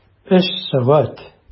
Өч сәгать!